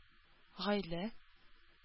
Гаилә